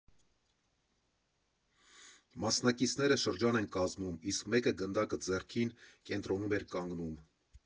Մասնակիցները շրջան են կազմում, իսկ մեկը՝ գնդակը ձեռքին, կենտրոնում էր կանգնում։